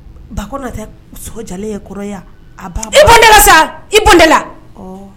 Ba ko tɛ muso jalen ye kɔrɔya ban sa i la